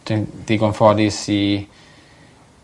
Dwi'n digon ffodus i